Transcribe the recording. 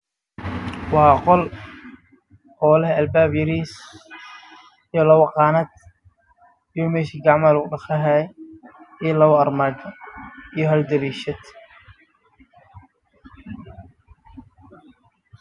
Waa qol waxaa leedahay qaanado daaqad